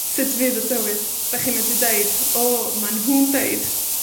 Sud fydd y tywydd? 'Dach chi'n medru deud O, ma' nhw'n deud